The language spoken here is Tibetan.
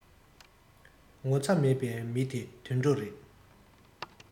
ངོ ཚ མེད པའི མི དེ དུད འགྲོ རེད